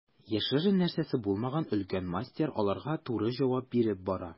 Яшерер нәрсәсе булмаган өлкән мастер аларга туры җавап биреп бара.